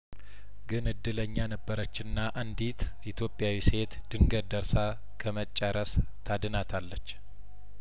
ግን እድለኛ ነበረችና አንዲት ኢትዮጵያዊ ሴት ድንገት ደርሳ ከመጨረስ ታድናታለች